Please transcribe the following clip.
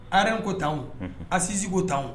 Rko taa a sinzko taa